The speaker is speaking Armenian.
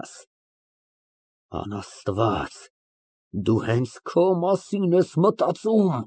ԱՆԴՐԵԱՍ ֊ Անաստված, դու հենց քո մասին ես մտածում։